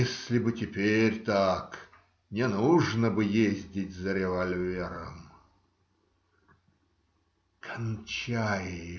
Если бы теперь так, не нужно бы ездить за револьвером. - Кончай!